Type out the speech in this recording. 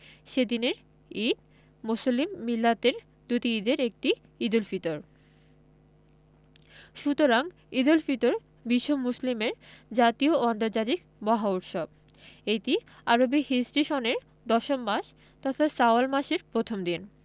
সে দিনের ঈদ মুসলিম মিল্লাতের দুটি ঈদের একটি ঈদুল ফিতর সুতরাং ঈদুল ফিতর বিশ্ব মুসলিমের জাতীয় ও আন্তর্জাতিক মহা উৎসব এটি আরবি হিজরি সনের দশম মাস তথা শাওয়াল মাসের প্রথম দিন